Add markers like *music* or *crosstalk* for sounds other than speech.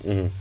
*hesitation* *hesitation*